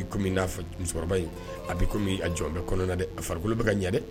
I'i komi n'a fɔ musokɔrɔba in a b'i a jɔn bɛɛ kɔnɔna na dɛ a farikolokolo bɛ ka ɲɛ dɛ